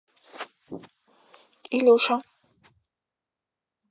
илюша